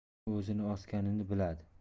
u o'zini osganini biladi